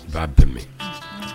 I b'a dɛmɛ